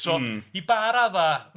So, i ba raddau...